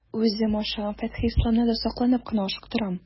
Үзем ашыгам, Фәтхелисламны да сакланып кына ашыктырам.